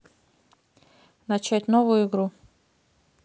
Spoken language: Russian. начать новую игру